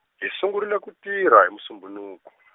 hi sungurile ku tirha hi Musumbhunuku .